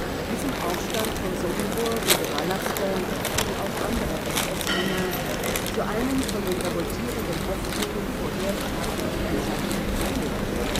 Bei diesem Aufstand von Sobibór wurde Vallaster, wie auch andere SS-Männer, zu einem von den revoltierenden Häftlingen vorher verabredeten Zeitpunkt getötet